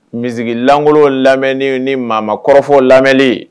Misilangolo lamɛnini ni mama kɔrɔfɔ lamɛn